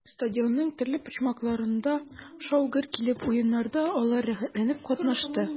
Стадионның төрле почмакларында шау-гөр килеп уеннарда алар рәхәтләнеп катнашты.